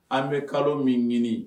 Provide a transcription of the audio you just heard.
An bɛ kalo min ɲini